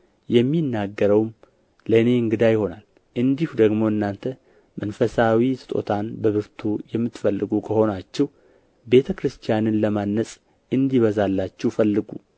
የሚናገረውም ለእኔ እንግዳ ይሆናል እንዲሁ ደግሞ እናንተ መንፈሳዊ ስጦታን በብርቱ የምትፈልጉ ከሆናችሁ ቤተ ክርስቲያንን ለማነጽ እንዲበዛላችሁ ፈልጉ